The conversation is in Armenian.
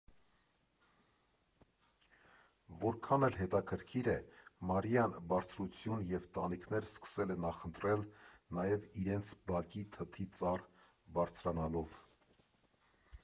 Որքան էլ հետաքրքիր է՝ Մարիան բարձրություն և տանիքներ սկսել է նախընտրել նաև իրենց բակի թթի ծառ բարձրանալով։